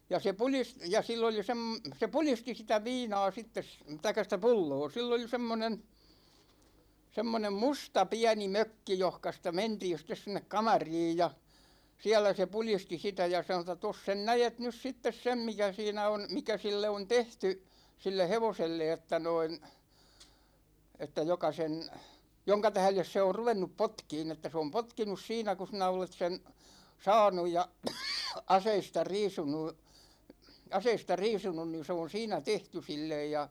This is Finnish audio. ja se - ja sillä oli - se pudisti sitä viinaa sitten tai sitä pulloa sillä oli semmoinen semmoinen musta pieni mökki johonka sitä mentiin sitten sinne kamariin ja siellä se pudisti sitä ja sanoi että tuossa sen näet nyt sitten sen mikä siinä on mikä sille on tehty sille hevoselle että noin että joka sen jonka tähden se on ruvennut potkimaan että se on potkinut siinä kun sinä olet sen saanut ja aseista riisunut aseista riisunut niin se on siinä tehty sille ja